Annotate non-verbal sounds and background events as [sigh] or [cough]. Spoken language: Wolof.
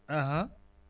[hesitation] [hesitation]